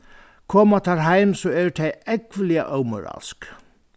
koma teir heim so eru tey ógvuliga ómoralsk